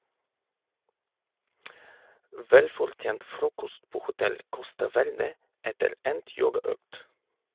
Velfortjent frokost på hotell Costa Verde etter endt yogaøkt.